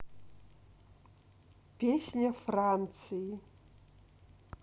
песня франции